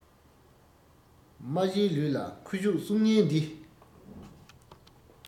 རྨ བྱའི ལུས ལ ཁུ བྱུག གསུང སྙན འདི